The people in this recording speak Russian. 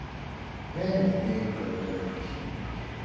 я не умею готовить